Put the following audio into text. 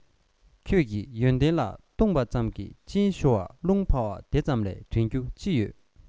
ཁྱོད ཀྱི ཡོན ཏན ལ བཏུངས པ ཙམ གྱིས གཅིན ཤོར བ རླུང འཕར བ དེ ཙམ གས དྲིན རྒྱུ ཅི ཡོད